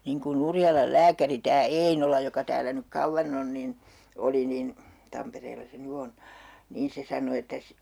niin kuin Urjalan lääkäri tämä Einola joka täällä nyt kauan on niin oli niin Tampereella se nyt on niin se sanoi että -